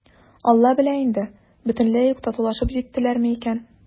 «алла белә инде, бөтенләй үк татулашып җиттеләрме икән?»